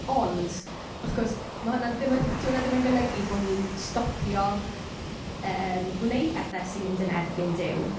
Ond wrth gwrs, mae hwnna'n... dim y... 'di hwnna ddim yn golygu bo' ni'n stopio yym gwneud pethe sy'n mynd yn erbyn Duw.